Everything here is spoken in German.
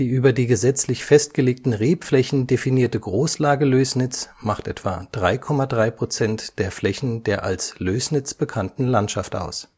über die gesetzlich festgelegten Rebflächen definierte Großlage Lößnitz macht etwa 3,3 % der Flächen der als Lößnitz bekannten Landschaft aus